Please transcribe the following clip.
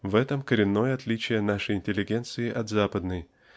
В этом коренное отличие нашей интеллигенции от западной